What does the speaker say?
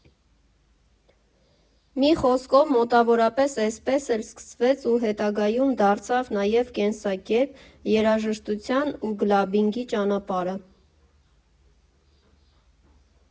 Մի խոսքով, մոտավորապես էսպես էլ սկսվեց ու հետագայում դարձավ նաև կենսակերպ՝ երաժշտության ու քլաբբինգի ճանապարհը։